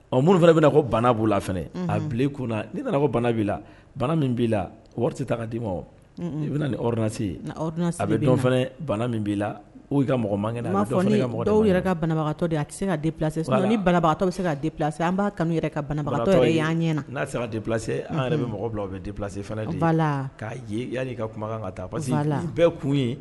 Ɔ mun fana bɛna bana b' la a kun na ni nana bana b'i la min b'i la wari tɛ' di'i ma i bɛna ninrse ye a bɛ dɔn fana bana min b'i la ka mɔgɔ man yɛrɛ ka banabagatɔ a tɛ se kalase sa ni banabagatɔ bɛ se kala an b'a ka banabagatɔ ɲɛna n'a se kalase an yɛrɛ bɛ mɔgɔ bila bɛlase'a yan'i ka kumakan kan ka taa bɛɛ kun ye